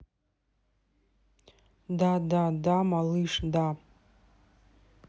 да да да да малыш да